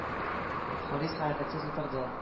Харис хәрәкәтсез утырды.